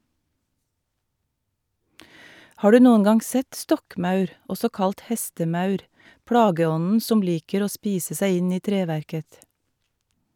Har du noen gang sett stokkmaur, også kalt hestemaur, plageånden som liker å spise seg inn i treverket?